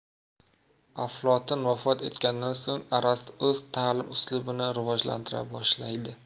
aflotun vafot etgandan so'ng arastu o'z ta'lim uslubini rivojlantira boshlaydi